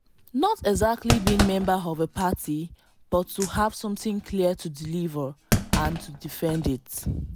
Not exactly being member of a party, but to have something clear to deliver, and to defend it”.